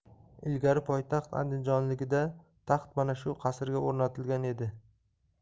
ilgari poytaxt andijondaligida taxt mana shu qasrga o'rnatilgan edi